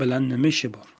bilan nima ishi bor